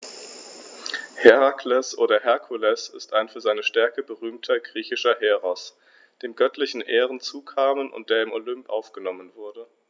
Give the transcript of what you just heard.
Herakles oder Herkules ist ein für seine Stärke berühmter griechischer Heros, dem göttliche Ehren zukamen und der in den Olymp aufgenommen wurde.